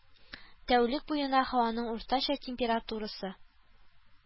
Тәүлек буена һаваның уртача температурасы